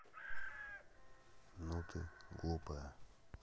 ну ты глупая